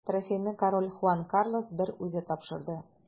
Трофейны король Хуан Карлос I үзе тапшырды.